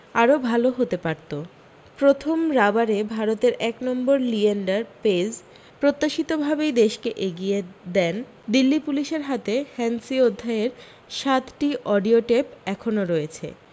আরও ভাল হতে পারত প্রথম রাবারে ভারতের এক নম্বর লিয়েন্ডার পেজ প্রত্যাশিত ভাবেই দেশকে এগিয়ে দেন দিল্লী পুলিশের হাতে হ্যান্সি অধ্যায়ের সাতটি অডিও টেপ এখনও রয়েছে